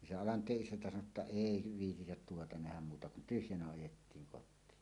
niin se Alanteen isäntä sanoi jotta ei viitsitä tuota nähdä muuta kun tyhjänä ajettiin kotiin